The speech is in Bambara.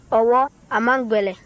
ɔwɔ a man gɛlɛn